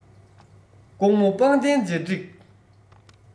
ཀོང མོ པང གདན འཇའ འགྲིག